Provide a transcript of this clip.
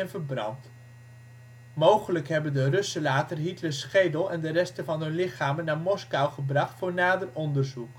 verbrand. Mogelijk hebben de Russen later Hitlers schedel en de resten van hun lichamen naar Moskou gebracht voor nader onderzoek